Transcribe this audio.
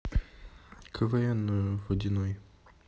квн водяной